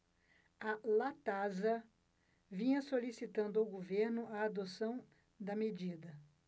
a latasa vinha solicitando ao governo a adoção da medida